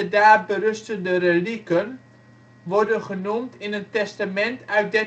daar berustende relieken worden genoemd in een testament uit 1375